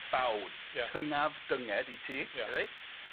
Ffawd... Ia. ...tyngaf dynged i ti. Ia. Reit?